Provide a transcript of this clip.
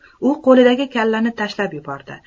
u qo'lidagi kallani tashlab yubordi